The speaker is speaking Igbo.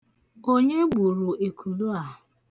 Onye gburu ekulu a?